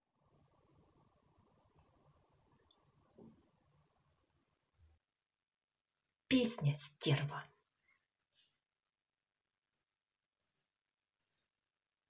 песня стерва